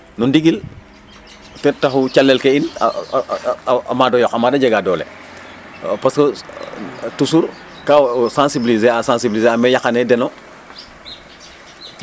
no ndigil ten taxu calel ke in a a maad o yoq a maad o jega dole parce que toujours ka o sensibliser a sensibliser mais yaqanee den noo